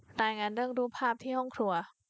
รายงานเรื่องรูปภาพที่ห้องครัว